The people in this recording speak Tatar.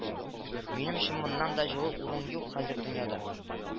— минем өчен моннан да җылы урын юк хәзер дөньяда